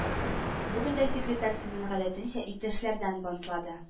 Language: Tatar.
Бүген дә секретарь сүзен гадәтенчә «Иптәшләр»дән бантлады: